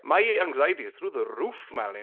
My anxiety is through the roof, Melanie.